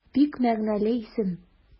Бик мәгънәле исем.